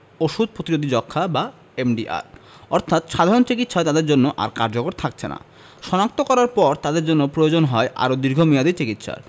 ওষুধ প্রতিরোধী যক্ষ্মা বা এমডিআর অর্থাৎ সাধারণ চিকিৎসা তাদের জন্য আর কার্যকর থাকছেনা শনাক্ত করার পর তাদের জন্য প্রয়োজন হয় আরও দীর্ঘমেয়াদি চিকিৎসার